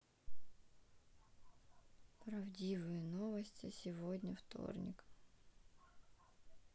правдивые новости сегодня вторник